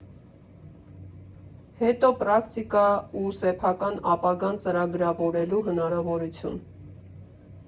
Հետո՝ պրակտիկա ու սեփական ապագան ծրագրավորելու հնարավորություն։